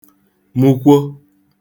mụkwo